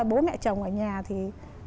bố mẹ chồng ở nhà thì